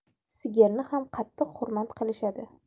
sigirini ham qattiq hurmat qilishadi